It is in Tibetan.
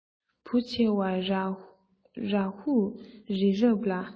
བུ ཆེ བ རཱ ཧུས རི རབ ལ